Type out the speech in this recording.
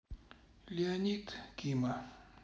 леонид кимо